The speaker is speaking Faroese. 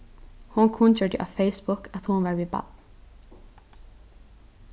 hon kunngjørdi á facebook at hon var við barn